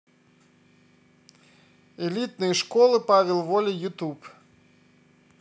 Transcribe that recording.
элитные школы павел воля ютуб